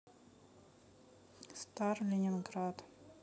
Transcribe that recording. star ленинград